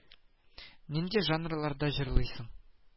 Нинди жанрларда җырлыйсың